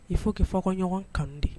Il faut que fo aw ka ɲɔgɔn kanu de.